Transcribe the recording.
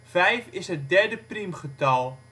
Vijf is het derde priemgetal